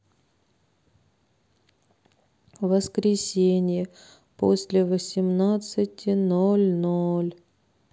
воскресенье после восемнадцати ноль ноль